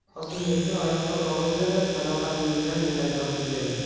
qosimbekni oyoqqa turg'izdi da sadoqatingizdan minnatdormiz dedi